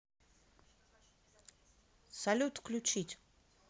салют включить